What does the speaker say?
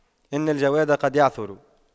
إن الجواد قد يعثر